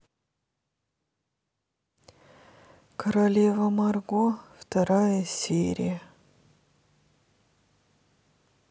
королева марго вторая серия